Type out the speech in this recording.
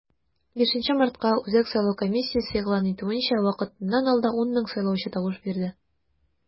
5 мартка, үзәк сайлау комиссиясе игълан итүенчә, вакытыннан алда 10 мең сайлаучы тавыш бирде.